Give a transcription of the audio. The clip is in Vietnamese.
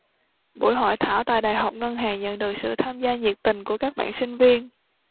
buổi hội thảo tại đại học ngân hàng nhận được sự tham gia nhiệt tình của các bạn sinh viên